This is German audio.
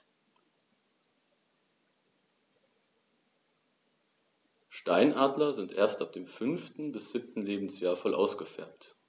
Steinadler sind erst ab dem 5. bis 7. Lebensjahr voll ausgefärbt.